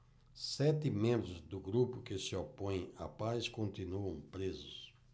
sete membros do grupo que se opõe à paz continuam presos